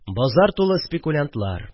Базар тулы спекулянтлар